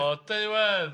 Blodeuwedd!